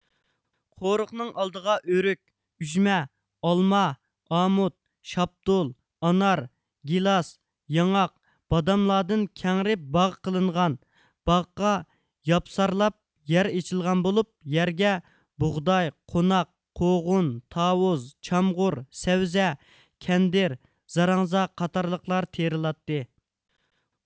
قورۇقنىڭ ئالدىغا ئۆرۈك ئۈجمە ئالما ئامۇت شاپتۇل ئانار گىلاس ياڭاق باداملاردىن كەڭرى باغ قىلىنغان باغقا ياپسارلاپ يەر ئېچىلغان بولۇپ يەرگە بۇغداي قوناق قوغۇن تاۋۇز چامغۇر سەۋزە كەندىر زاراڭزا قاتارلىقلار تېرىلاتتى